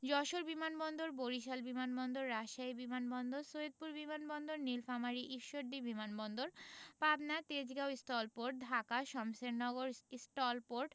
যশোর বিমান বন্দর বরিশাল বিমান বন্দর রাজশাহী বিমান বন্দর সৈয়দপুর বিমান বন্দর নিলফামারী ঈশ্বরদী বিমান বন্দর পাবনা তেজগাঁও স্টল পোর্ট ঢাকা শমসেরনগর ইচ ইচ স্টল পোর্ট